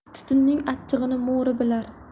tutunning achchig'ini mo'ri bilar